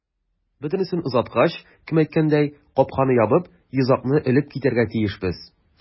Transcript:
Бөтенесен озаткач, кем әйткәндәй, капканы ябып, йозакны элеп китәргә тиешбез.